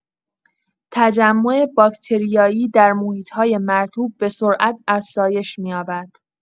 تجمع باکتریایی در محیط‌های مرطوب به‌سرعت افزایش می‌یابد.